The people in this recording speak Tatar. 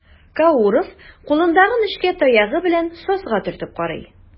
Кауров кулындагы нечкә таягы белән сазга төртеп карый.